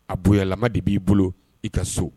A bonyalama de b'i bolo i ka so